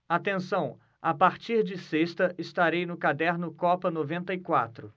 atenção a partir de sexta estarei no caderno copa noventa e quatro